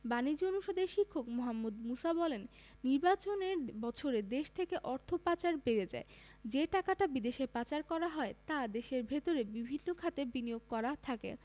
বাণিজ্য অনুষদের শিক্ষক মোহাম্মদ মুসা বলেন নির্বাচনের বছরে দেশ থেকে অর্থ পাচার বেড়ে যায় যে টাকাটা বিদেশে পাচার করা হয় তা দেশের ভেতরে বিভিন্ন খাতে বিনিয়োগ করা থাকে